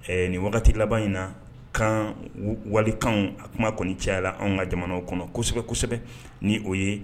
Ɛɛ nin wagati laban in na kan walikan a kuma kɔni caya la anw ka jamana kɔnɔ kosɛbɛ kosɛbɛ ni o ye